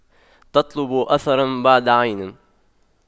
تطلب أثراً بعد عين